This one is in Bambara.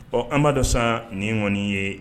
Ɔ anba dɔ san nin kɔniɔni ye